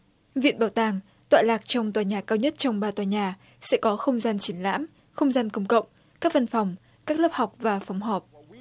viện bảo tàng tọa lạc trong tòa nhà cao nhất trong ba tòa nhà sẽ có không gian triển lãm không gian công cộng các văn phòng các lớp học và phòng họp